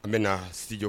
An bɛ s